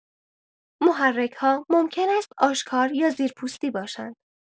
محرک‌ها ممکن است آشکار یا زیرپوستی باشند.